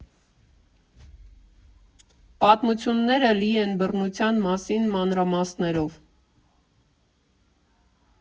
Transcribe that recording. Պատմությունները լի են բռնության մասին մանրամասներով։